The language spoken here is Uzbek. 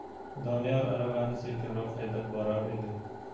doniyor aravani sekinroq haydab borar edi